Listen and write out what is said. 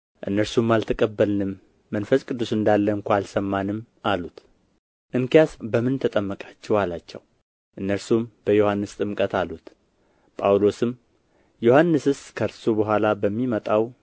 እነርሱም አልተቀበልንም መንፈስ ቅዱስ እንዳለ ስንኳ አልሰማንም አሉት እንኪያ በምን ተጠመቃችሁ አላቸው እነርሱም በዮሐንስ ጥምቀት አሉት ጳውሎስም ዮሐንስስ ከእርሱ በኋላ በሚመጣው